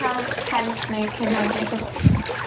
...ca'l help neu cefnogi achos